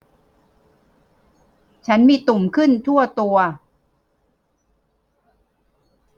ฉันมีตุ่มขึ้นทั่วตัว